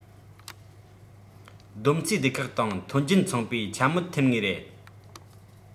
བསྡོམས རྩིས སྡེ ཁག དང ཐོན འབྱེད ཚོང པས འཕྱ སྨོད ཐེབས ངེས རེད